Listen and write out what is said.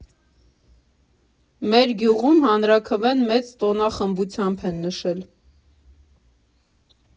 Մեր գյուղում հանրաքվեն մեծ տոնախմբությամբ են նշել։